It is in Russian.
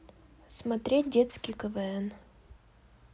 смотреть детский квн